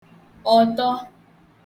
ọ̀tọ